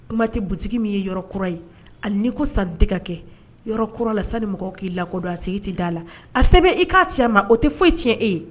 Kuma tɛ bu min ye yɔrɔ kura ye ani ni ko san n tɛgɛ kɛ yɔrɔ kura la sa ni mɔgɔ k'i lakɔ a se tɛ da'a la a sɛbɛn i k'a cɛ ma o tɛ foyi tiɲɛ e ye